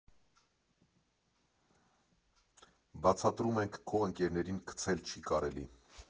Բացատրում ենք՝ քո ընկերներին քցել չի կարելի։